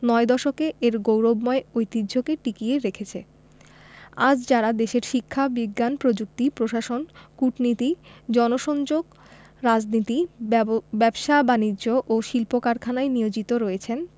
নয় দশকে এর গৌরবময় ঐতিহ্যকে টিকিয়ে রেখেছে আজ যাঁরা দেশের শিক্ষা বিজ্ঞান প্রযুক্তি প্রশাসন কূটনীতি জনসংযোগ রাজনীতি ব্যবসা বাণিজ্য ও শিল্প কারখানায় নিয়োজিত রয়েছেন